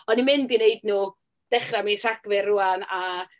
O'n i'n mynd i wneud nhw, dechrau mis Rhagfyr rŵan, a...